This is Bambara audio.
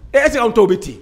Est - ce que anw taw bɛ ten?